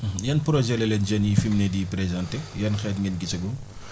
yan projets la leen jeunes yi fii mu ne di présenter yan xeet ngeen gisagum